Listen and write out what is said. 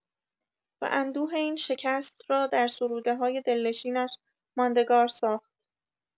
و اندوه این شکست را در سروده‌های دلنشین‌اش ماندگار ساخت.